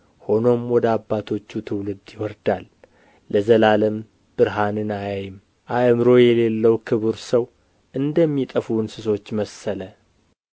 ሆኖም ወደ አባቶቹ ትውልድ ይወርዳል ለዘላለም ብርሃንን አያይም አእምሮ የሌለው ክቡር ሰው እንደሚጠፋ እንስሶች መሰለ